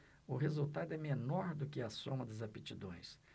o resultado é menor do que a soma das aptidões